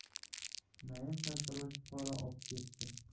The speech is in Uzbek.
naim sartarosh pora obkepti